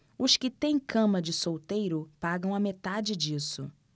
os que têm cama de solteiro pagam a metade disso